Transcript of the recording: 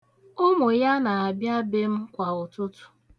Ụmụ ya na-abịa be m kwa ụtụtụ.